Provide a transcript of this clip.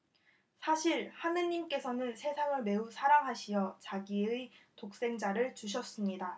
사실 하느님께서는 세상을 매우 사랑하시어 자기의 독생자를 주셨습니다